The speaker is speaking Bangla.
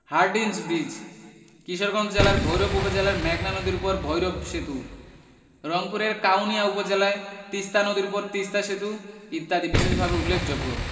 হার্ডিঞ্জ ব্রিজ কিশোরগঞ্জ জেলার ভৈরব উপজেলায় মেঘনা নদীর উপর ভৈরব সেতু রংপুরের কাউনিয়া উপজেলায় তিস্তা নদীর উপর তিস্তা সেতু ইত্যাদি বিশেষভাবে উল্লেখযোগ্য